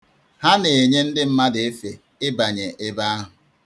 Ha na-enye ndị mmadụ efe ịbanye ebe ahụ.